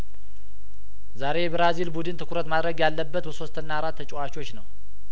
ዛሬ የብራዚል ቡድን ትኩረት ማድረግ ያለበት በሶስትና አራት ተጫዋቾች ነው